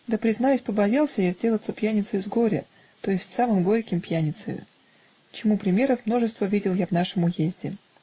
да признаюсь, побоялся я сделаться пьяницею с горя, то есть самым горьким пьяницею, чему примеров множество видел я в нашем уезде.